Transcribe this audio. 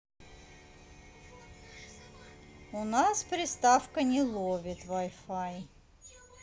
у нас приставка не ловит wi fi